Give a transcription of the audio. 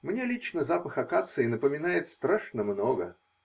Мне лично запах акации напоминает страшно много.